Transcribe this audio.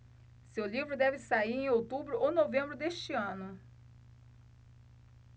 seu livro deve sair em outubro ou novembro deste ano